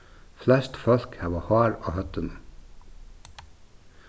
flest fólk hava hár á høvdinum